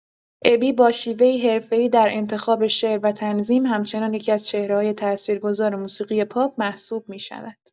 ابی با شیوه‌ای حرفه‌ای در انتخاب شعر و تنظیم، همچنان یکی‌از چهره‌های تأثیرگذار موسیقی پاپ محسوب می‌شود.